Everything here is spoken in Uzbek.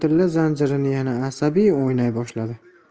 zanjirini yana asabiy o'ynay boshladi